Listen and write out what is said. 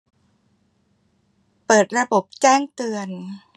เปิดระบบแจ้งเตือน